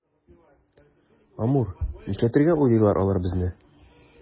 Амур, нишләтергә уйлыйлар алар безне?